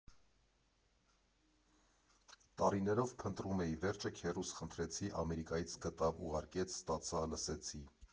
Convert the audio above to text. Տարիներով փնտրում էի, վերջը քեռուս խնդրեցի, Ամերիկայից գտավ, ուղարկեց, ստացա, լսեցի։